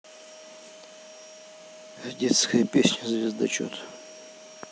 детская песня звездочет